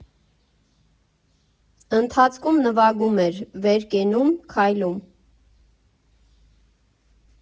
Ընթացքում նվագում էր, վեր կենում, քայլում»։